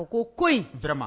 U ko ko in durama